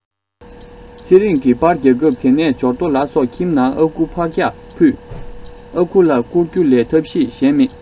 ཚེ རིང གི པར བརྒྱབ སྐབས དེ ནས འབྱོར ཐོ ལ སོགས ཁྱིམ ནང ཨ ཁུ ཕག སྐྱག ཕུད ཨ ཁུ ལ བསྐུར རྒྱུ ལས ཐབས ཤེས གཞན མེད